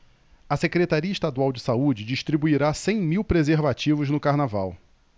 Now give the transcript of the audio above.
a secretaria estadual de saúde distribuirá cem mil preservativos no carnaval